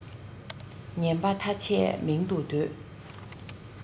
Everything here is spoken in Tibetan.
ངན པ ཐ ཆད མིང དུ འདོད